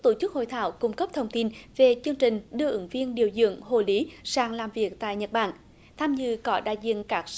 tổ chức hội thảo cung cấp thông tin về chương trình đưa ứng viên điều dưỡng hộ lý sang làm việc tại nhật bản tham dự có đại diện các sở